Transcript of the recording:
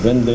22